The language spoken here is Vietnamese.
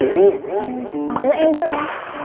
đến lượt em chứ đúng hông